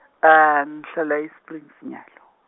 ngihlala e- Springs nyalo.